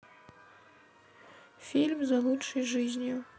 фильм за лучшей жизнью